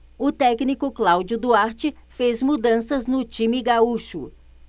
o técnico cláudio duarte fez mudanças no time gaúcho